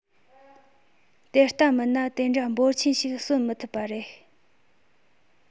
དེ ལྟ མིན ན དེ འདྲ འབོར ཆེན ཞིག གསོན མི ཐུབ པ རེད